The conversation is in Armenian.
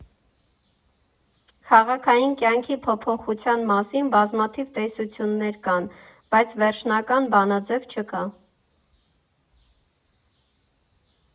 Քաղաքային կյանքի փոփոխության մասին բազմաթիվ տեսություններ կան, բայց վերջնական բանաձև չկա։